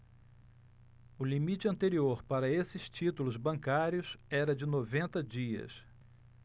o limite anterior para estes títulos bancários era de noventa dias